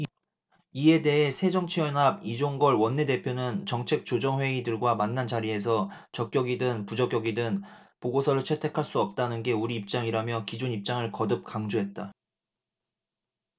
이에 대해 새정치연합 이종걸 원내대표는 정책조정회의 들과 만난 자리에서 적격이든 부적격이든 보고서를 채택할 수 없다는 게 우리 입장이라며 기존 입장을 거듭 강조했다